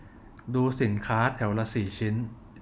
ดูสินค้าแถวละสี่ชิ้น